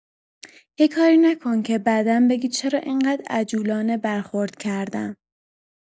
یه کاری نکن که بعدا بگی چرا انقدر عجولانه برخورد کردم.